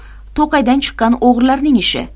bu to'qaydan chiqqan o'g'rilarning ishi